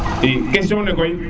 i question ne koy